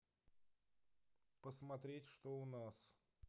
посмотреть что у нас